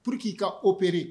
Pour que i ka operé